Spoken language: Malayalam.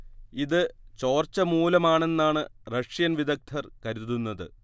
ഇത് ചോർച്ച മൂലമാണെന്നാണ് റഷ്യൻ വിദഗ്‌ദ്ധർ കരുതുന്നത്